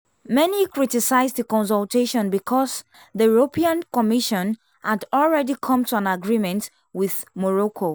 Many criticized the consultation because the European Commission had already come to an agreement with Morocco.